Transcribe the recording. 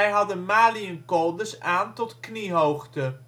hadden maliënkolders aan tot kniehoogte